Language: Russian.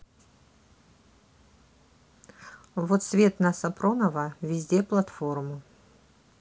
вот свет на сапронова везде платформу